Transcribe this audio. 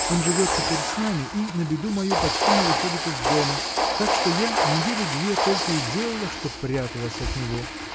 Он живет теперь с нами и, на беду мою, почти не выходит из дома, так что я недели две только и делала, что пряталась от него.